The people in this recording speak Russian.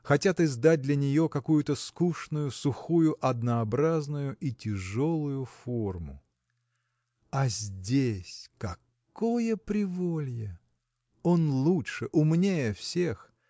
хотят издать для нее какую-то скучную сухую однообразную и тяжелую форму. А здесь какое приволье! Он лучше, умнее всех!